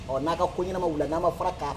Ɔ n'a ka ko ɲɛnama wuli n'a ma fara kan